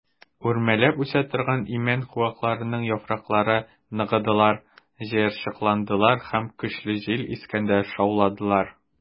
Үрмәләп үсә торган имән куаклыгының яфраклары ныгыдылар, җыерчыкландылар һәм көчле җил искәндә шауладылар.